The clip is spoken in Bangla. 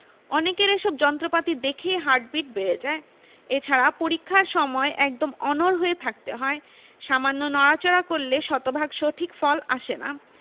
অনেকের এসব যন্ত্রপাতি দেখেই হার্টবিট বেড়ে যায় এছাড়া পরীক্ষার সময় একদম অনড় হয়ে থাকতে হয় সামান্য নড়াচড়া করলে শতভাগ সঠিক ফল আসে না